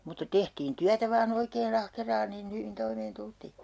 mutta tehtiin työtä vain oikein ahkeraan niin hyvin toimeen tultiin